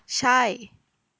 ใช่